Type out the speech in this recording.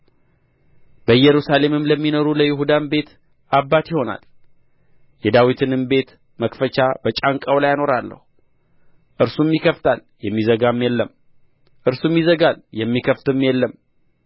በኢየሩሳሌምም ለሚኖሩ ለይሁዳም ቤት አባት ይሆናል የዳዊትንም ቤት መክፈቻ በጫንቃው ላይ አኖራለሁ እርሱም ይከፍታል የሚዘጋም የለም እርሱም ይዘጋል የሚከፍትም የለም